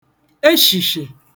eshìshìè